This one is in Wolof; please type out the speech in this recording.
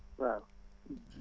waaw